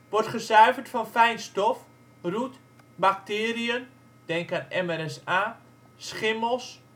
wordt gezuiverd van fijn stof, roet, bacteriën (denk aan MRSA), schimmels